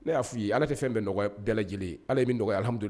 Ne y'a f ala ale tɛ fɛn dɔgɔ dala lajɛlen ala minhamudu